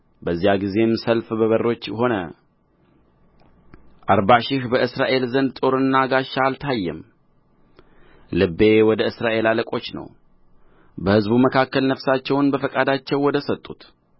በዚያ ጊዜ ሰልፍ በበሮች ሆነ በአርባ ሺህ በእስራኤል ዘንድ ጦርና ጋሻ አልታየም ልቤ ወደ እስራኤል አለቆች ነው በሕዝቡ መካከል ነፍሳቸውን በፈቃዳቸው ወደ ሰጡት